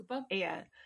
Ti'n gwbod? Ia